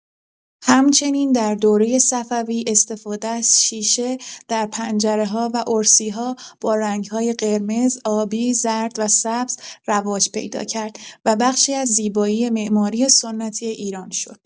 همچنین در دوره صفوی استفاده از شیشه در پنجره‌ها و ارسی‌ها با رنگ‌های قرمز، آبی، زرد و سبز رواج پیدا کرد و بخشی از زیبایی معماری سنتی ایران شد.